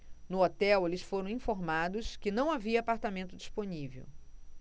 no hotel eles foram informados que não havia apartamento disponível